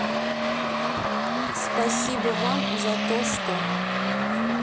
спасибо вам за то что